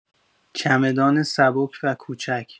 چمدان سبک و کوچک